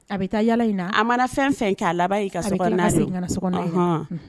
A bi taa yala in na , a mana fɛn fɛn kɛ a laban ye i ka so kɔnɔ na de ye. A bi kila ka segin ka na so kɔnɔ.